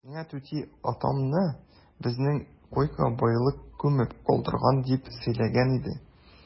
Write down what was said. Миңа түти атамны безнең коега байлык күмеп калдырган дип сөйләгән иде.